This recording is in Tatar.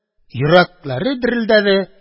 Йөрәкләре дерелдәде